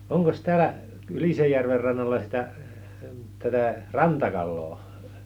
onkos täällä Ylisenjärven rannalla sitä tätä rantakalaa